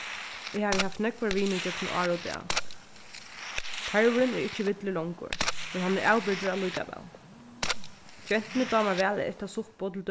eg havi havt nógvar vinir gjøgnum ár og dag tarvurin er ikki villur longur men hann er avbyrgdur allíkavæl gentuni dámar væl at eta suppu til